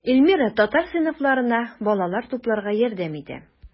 Эльмира татар сыйныфларына балалар тупларга ярдәм итә.